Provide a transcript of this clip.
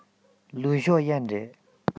ལིའི ཞའོ ཡན རེད